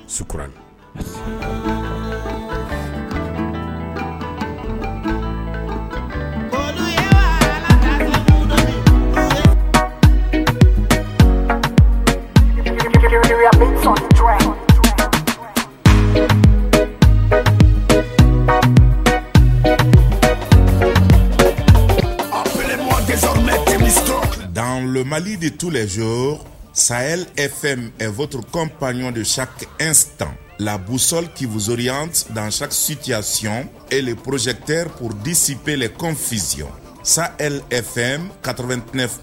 Suuranya danlomali de tu la sa fɛnturk panɔn de san labusali kizoya dansaki sutiyasiyɔn e porozsɛte purdisibela kɔn2si sa fɛn kator int